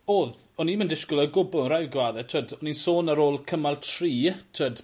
o'dd o'n i'm yn disgwl o gwbwl rai' gwadde t'wod o'n i'n sôn ar ôl cymal tri t'wod